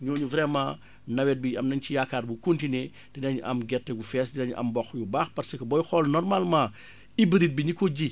ñooñu vraiment nawet bi am nañ ci yaakaar bu continuer dinañ am gerte gu fees dinañ am mboq yu baax parce que booy xool normalement hybride bi ñi ko ji